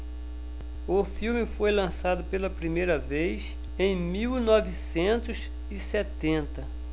o filme foi lançado pela primeira vez em mil novecentos e setenta